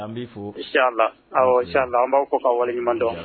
An b'i fo si la si la an b'a ko k ka waleɲuman dɔn